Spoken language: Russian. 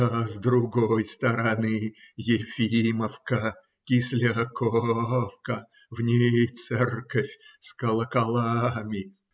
А с другой стороны Ефимовка, Кисляковка; в ней церковь с колоколами.